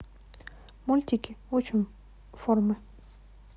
мультики учим формы